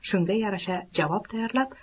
shunga yarasha javob tayyorlab